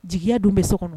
Jigiya dun bɛ so kɔnɔ